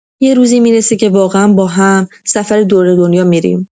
یه روزی می‌رسه که واقعا با هم‌سفر دور دنیا می‌ریم!